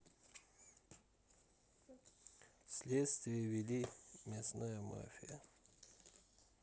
следствие вели мясная мафия